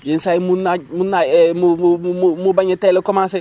yenn saa yi mu naaj mu naa mu mu mu mu mu bañ a teel a commencé